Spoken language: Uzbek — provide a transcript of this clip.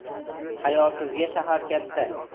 hayosizga shahar katta